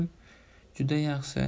juda yaxshi